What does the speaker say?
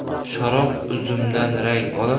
sharob uzumdan rang